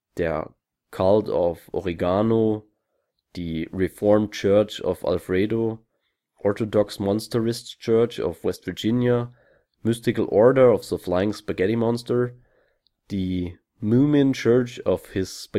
der Cult of Oregano, die Reformed Church of Alfredo, Orthodox Monsterist Church of West Virginia, Mystical Order of the Flying Spaghetti Monster, die Moomin Church of His